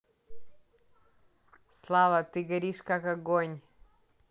слава ты горишь как огонь